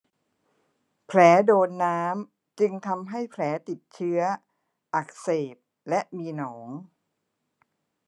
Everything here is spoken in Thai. แผลโดนน้ำจึงทำให้แผลติดเชื้ออักเสบและมีหนอง